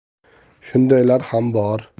shundaylar ham bor